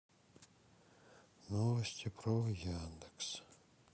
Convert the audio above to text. новости про яндекс